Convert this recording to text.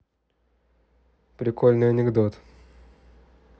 прикольный анекдот